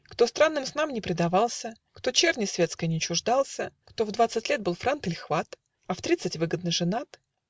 Кто странным снам не предавался, Кто черни светской не чуждался, Кто в двадцать лет был франт иль хват, А в тридцать выгодно женат